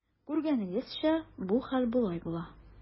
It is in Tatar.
Күргәнегезчә, бу хәл болай була.